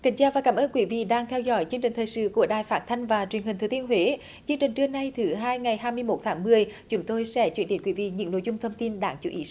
kính chào và cảm ơn quý vị đang theo dõi chương trình thời sự của đài phát thanh và truyền hình thừa thiên huế chương trình trưa nay thứ hai ngày hai mươi mốt tháng mười chúng tôi sẽ chuyển đến quý vị những nội dung thông tin đáng chú ý